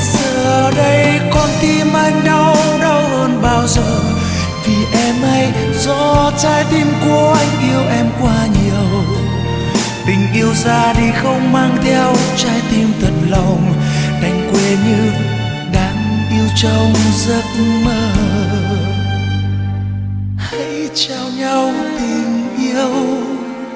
giờ đây con tim anh đau đau hơn bao giờ vì em hay do trái tim của anh yêu em quá nhiều tình yêu ra đi không mang theo trái tim thật lòng đành quên như đang yêu trong giấc mơ hãy trao nhau tình yêu